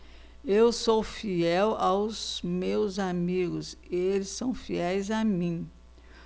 eu sou fiel aos meus amigos e eles são fiéis a mim